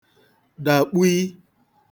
dàkpui